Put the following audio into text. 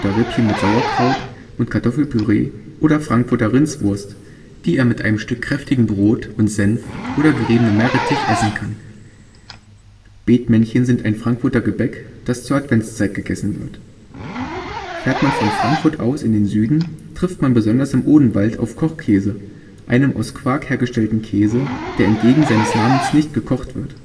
Rippchen mit Sauerkraut und Kartoffelpüree oder Frankfurter Rindswurst, die er mit einem Stück kräftigem Brot und Senf oder geriebenem Meerrettich essen kann. Bethmännchen sind ein Frankfurter Gebäck, das zur Adventszeit gegessen wird. Fährt man von Frankfurt aus in den Süden, trifft man besonders im Odenwald auf Kochkäse, einem aus Quark hergestellten Käse, der entgegen seines Namens nicht gekocht wird